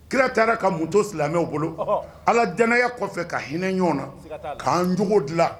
Kira taara ka mun to silamɛw bolo, ɔnhɔn, Ala danaya kɔfɛ ka hinɛ ɲɔgɔn na k'an cogow dilan